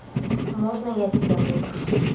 можно я тебя выброшу